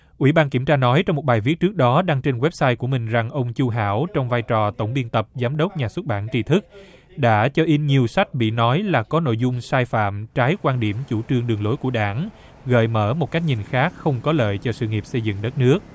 ủy ban kiểm tra nói trong một bài viết trước đó đăng trên goét sai của mình rằng ông chu hảo trong vai trò tổng biên tập giám đốc nhà xuất bản tri thức đã cho in nhiều sách bị nói là có nội dung sai phạm trái quan điểm chủ trương đường lối của đảng gợi mở một cách nhìn khác không có lợi cho sự nghiệp xây dựng đất nước